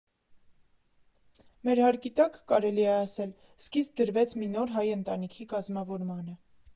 Մեր հարկի տակ, կարելի է ասել, սկիզբ դրվեց մի նոր հայ ընտանիքի կազմավորմանը։